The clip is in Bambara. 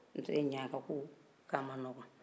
ni o tɛ ɲaa ka ko ko a ma nɔgɔn